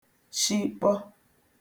shikpọ